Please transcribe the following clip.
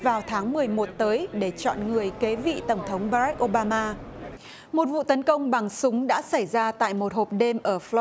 vào tháng mười một tới để chọn người kế vị tổng thống ba rách ô ba ma một vụ tấn công bằng súng đã xảy ra tại một hộp đêm ở phờ